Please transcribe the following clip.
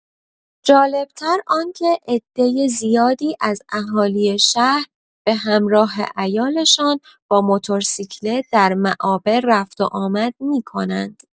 جالب‌تر آنکه عدۀ زیادی از اهالی شهر به همراه عیالشان با موتورسیکلت در معابر رفت‌وآمد می‌کنند.